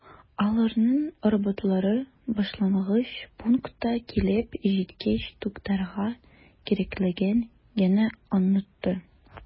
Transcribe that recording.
Аларның роботлары башлангыч пунктка килеп җиткәч туктарга кирәклеген генә “онытты”.